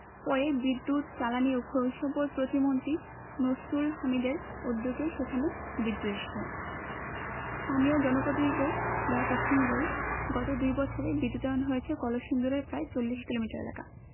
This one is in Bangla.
পরে বিদ্যুৎ জ্বালানি ও খনিজ সম্পদ প্রতিমন্ত্রী নসরুল হামিদদের উদ্যোগে সেখানে বিদ্যুৎ এসেছে স্থানীয় জনপ্রতিনিধিদের দেওয়া তথ্য অনুযায়ী গত দুই বছরে বিদ্যুতায়ন হয়েছে কলসিন্দুরের প্রায় ৪০ কিলোমিটার এলাকা